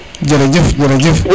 jerejef jerejef